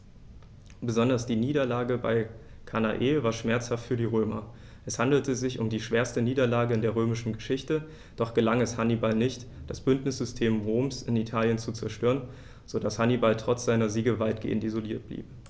Besonders die Niederlage bei Cannae war schmerzhaft für die Römer: Es handelte sich um die schwerste Niederlage in der römischen Geschichte, doch gelang es Hannibal nicht, das Bündnissystem Roms in Italien zu zerstören, sodass Hannibal trotz seiner Siege weitgehend isoliert blieb.